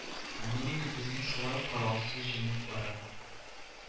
Америка безне шулай коралсыз җиңеп бара